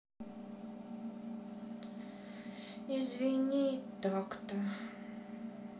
извини такта